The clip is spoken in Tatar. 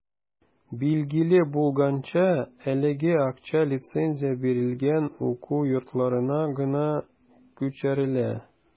Билгеле булганча, әлеге акча лицензия бирелгән уку йортларына гына күчерелә.